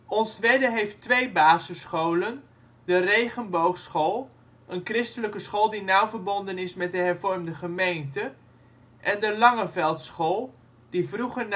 Onstwedde heeft twee basisscholen: de Regenboogschool, een christelijke school die nauw verbonden is met de hervormde gemeente, en de Langeveldschool, die vroeger